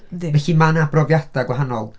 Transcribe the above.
Felly mae 'na brofiadau gwahanol.